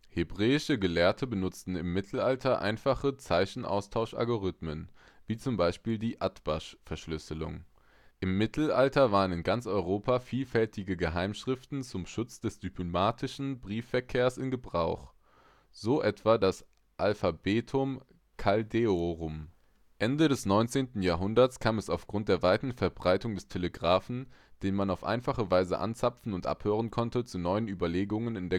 Hebräische Gelehrte benutzten im Mittelalter einfache Zeichenaustauschalgorithmen (wie beispielsweise die Atbasch-Verschlüsselung). Im Mittelalter waren in ganz Europa vielfältige Geheimschriften zum Schutz des diplomatischen Briefverkehrs in Gebrauch, so etwa das Alphabetum Kaldeorum. Ende des 19. Jahrhunderts kam es aufgrund der weiten Verbreitung des Telegrafen (den man auf einfache Weise anzapfen und abhören konnte) zu neuen Überlegungen in